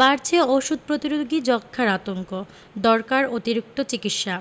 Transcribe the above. বাড়ছে ওষুধ প্রতিরোধী যক্ষ্মার আতঙ্ক দরকার অতিরিক্ত চিকিৎসা